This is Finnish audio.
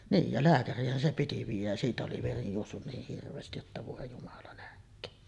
niin ja lääkäriinhän se piti viedä ja siitä oli veri juossut niin hirveästi jotta voi jumala nähköön